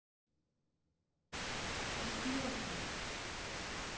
как можно так